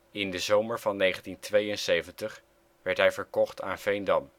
In de zomer van 1972 werd hij verkocht aan Veendam